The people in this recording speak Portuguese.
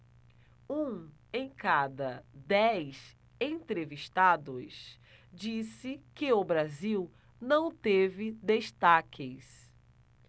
um em cada dez entrevistados disse que o brasil não teve destaques